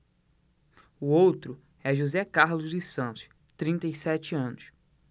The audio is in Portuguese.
o outro é josé carlos dos santos trinta e sete anos